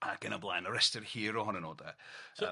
ac yn y blaen, y restr hir ohonyn nhw de, yym...